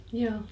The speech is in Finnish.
jaa